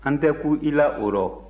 an tɛ kun i la o rɔ